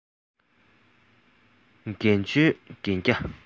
འགན བཅོལ གན རྒྱ